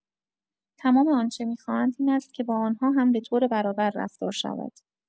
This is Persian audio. تمام آنچه می‌خواهند، این است که با آن‌ها هم به‌طور برابر رفتار شود.